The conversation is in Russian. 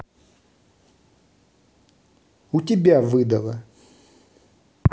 у тебя выдала